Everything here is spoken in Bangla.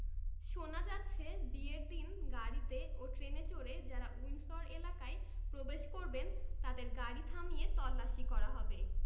শোনা যাচ্ছে বিয়ের দিন গাড়িতে ও ট্রেনে চড়ে যাঁরা উইন্ডসর এলাকায় প্রবেশ করবেন তাঁদের গাড়ি থামিয়ে তল্লাশি করা হবে